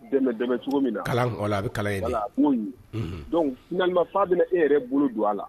Dɛmɛ dɛmɛ cogo min na kalankɔ a bɛ kalan' dɔnku faa bɛna e yɛrɛ bolo don a la